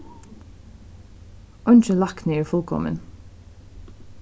eingin lækni er fullkomin